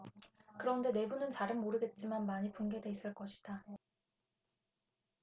그런데 내부는 잘은 모르겠지만 많이 붕괴돼 있을 것이다